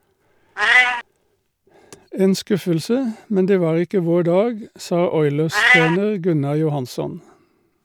- En skuffelse , men det var ikke vår dag, sa Oilers-trener Gunnar Johansson.